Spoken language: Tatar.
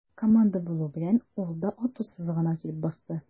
Команда булу белән, ул да ату сызыгына килеп басты.